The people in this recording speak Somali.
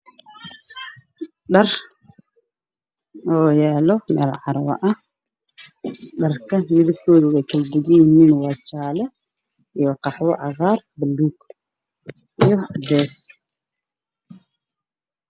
Waa carwo waxaa yaalla dhar dumar ah